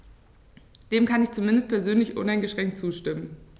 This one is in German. Dem kann ich zumindest persönlich uneingeschränkt zustimmen.